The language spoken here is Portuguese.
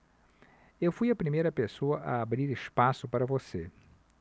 eu fui a primeira pessoa a abrir espaço para você